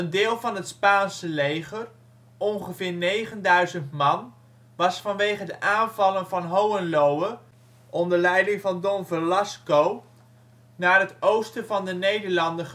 deel van het Spaanse leger (ongeveer 9.000 man) was vanwege de aanvallen van Hohenlohe onder leiding van Don Velasco naar het oosten van de Nederlanden